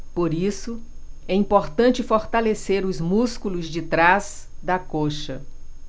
por isso é importante fortalecer os músculos de trás da coxa